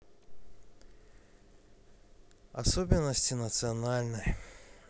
особенности национальной